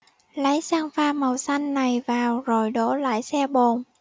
lấy xăng pha màu xanh này vào rồi đổ lại xe bồn